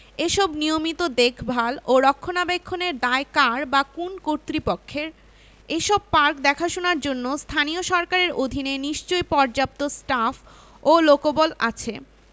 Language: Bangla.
এসব নিয়মিত দেখভাল ও রক্ষণাবেক্ষণের দায় কার বা কোন্ কর্তৃপক্ষের এসব পার্ক দেখাশোনার জন্য স্থানীয় সরকারের অধীনে নিশ্চয়ই পর্যাপ্ত স্টাফ ও লোকবল আছে